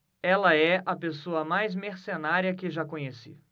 ela é a pessoa mais mercenária que já conheci